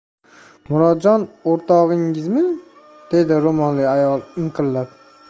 murodjon o'rtog'ingizmi dedi ro'molli ayol inqillab